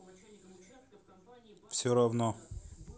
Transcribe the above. все равно